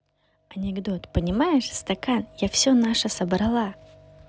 анекдот понимаешь стакан я все наше собрала